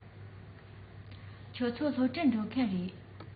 ཁོ ཚོ སློབ གྲྭར འགྲོ མཁན རེད